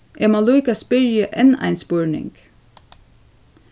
eg má líka spyrja enn ein spurning